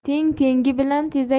teng tengi bilan